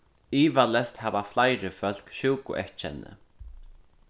ivaleyst hava fleiri fólk sjúkueyðkenni